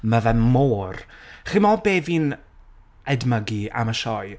Ma' fe mor... Chimod be' fi'n edmygu, am y sioe?